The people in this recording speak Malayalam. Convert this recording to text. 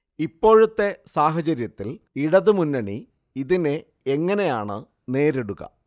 ഇപ്പോഴത്തെ സാഹചര്യത്തിൽ ഇടതുമുന്നണി ഇതിനെ എങ്ങനെയാണ് നേരിടുക